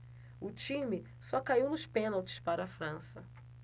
o time só caiu nos pênaltis para a frança